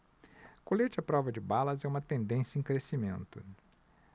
colete à prova de balas é uma tendência em crescimento